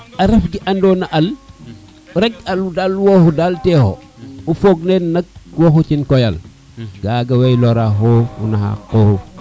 a ref ke ando al rek alu daal texo o fog neen nak wo xotu koyaleyaga waxey lora xoxof naxa xoxof